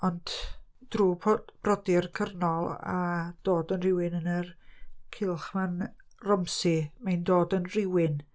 ond drwy p- briodi'r cyrnol a dod yn rywun yn yr cylch 'ma'n Romsey, mae'n dod yn rywun.